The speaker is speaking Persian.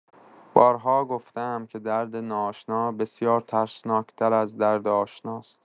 بارها گفته‌ام که درد ناآشنا بسیار ترسناک‌تر از درد آشناست.